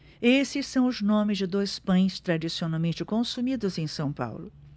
esses são os nomes de dois pães tradicionalmente consumidos em são paulo